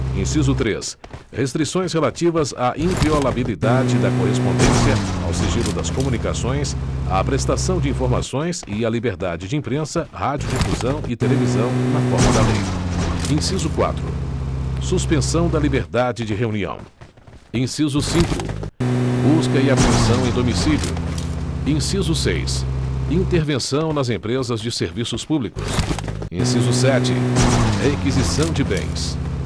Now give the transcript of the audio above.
inciso três restrições relativas à inviolabilidade da correspondência ao sigilo das comunicações à prestação de informações e à liberdade de imprensa radiodifusão e televisão na forma da lei inciso quatro suspensão da liberdade de reunião inciso cinco busca e apreensão em domicílio inciso seis intervenção nas empresas de serviços públicos inciso sete requisição de bens